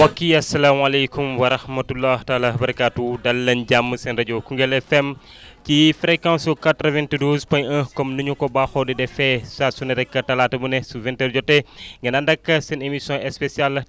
mbokk yi asalaamaaleykum wa rahmatulah taalaa wa barakaatuhu dal leen jàmm seen rajo Koungheul FM ci fréquence su 92 point 1 comme ni ñu ko baaxoo di defee saa su nerek talaata bu nnesu vingt heures jotee ngeen ànd ak seen émission spéciale